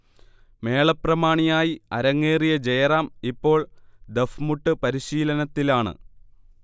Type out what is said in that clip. മേള പ്രമാണിയായി അരങ്ങേറിയ ജയറാം ഇപ്പോൾ ദഫ്മുട്ട് പരിശിലനത്തിലാണ്